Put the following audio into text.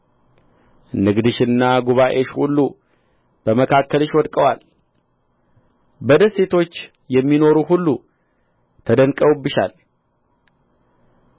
ንግድሽና ጉባኤሽ ሁሉ በመካከልሽ ወድቀዋል በደሴቶሽ የሚኖሩ ሁሉ ተደንቀውብሻል